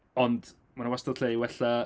Ond ma' 'na wastad lle i wella.